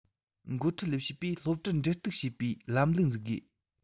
འགོ ཁྲིད ལས བྱེད པས སློབ གྲྭར འབྲེལ གཏུག བྱེད པའི ལམ ལུགས འཛུགས དགོས